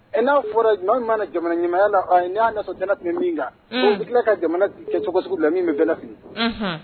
N'a fɔra maa min mana na jamanaɲɛmɔgɔya tun bɛ min kan tila ka jamana bila cogoso sugu dɔ la min bɛ bɛɛ la fili